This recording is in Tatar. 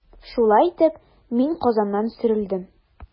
Шулай итеп, мин Казаннан сөрелдем.